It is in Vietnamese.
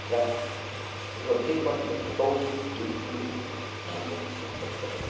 rằng là thế còn trên quan điểm của tôi đứng cương vị là một chủ tịch hội đồng